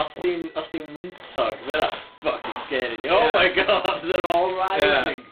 Os 'di'n os 'di'n wyntog mae hynna ffycin scary ni Oh my God they're all rising.